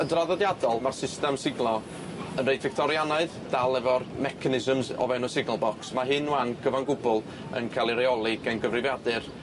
Yn draddodiadol ma'r system signal yn reit Fictorianaidd dal efo'r mechanisms o fewn y signal box. Ma' hyn 'wan gyfan gwbwl yn ca'l ei reoli gen gyfrifiadur.